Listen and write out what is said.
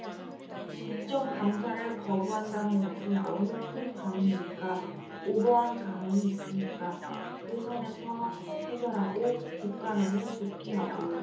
국정 감사를 거부한다는 것은 너무 큰 반응이니까 오버한 감이 있으니까 그 선에서 해결하고 국감에는 복귀하고요